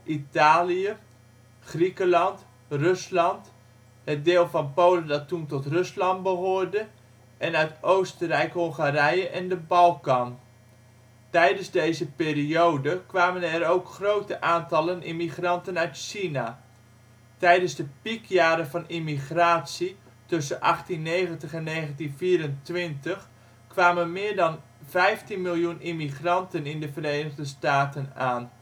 Italië, Griekenland, Rusland, het deel van Polen dat toen tot Rusland behoorde, en uit Oostenrijk-Hongarije en de Balkan. Tijdens deze periode kwamen er ook grote aantallen immigranten uit China. Tijdens de piekjaren van immigratie tussen 1890 en 1924 kwamen meer dan 15 miljoen immigranten in de Verenigde Staten aan